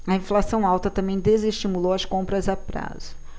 a inflação alta também desestimulou as compras a prazo